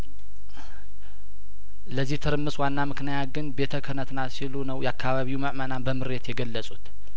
ለዚህ ትርምስ ዋና ምክንያት ግን ቤተ ክህነትናት ሲሉ ነው የአካባቢው መእመናን በምሬት የገለጹት